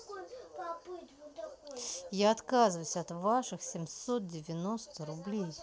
я отказываюсь от ваших семьсот девяносто рублей